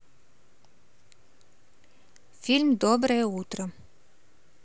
фильм доброе утро